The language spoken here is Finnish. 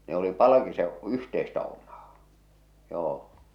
ne oli palkisen yhteistä omaa joo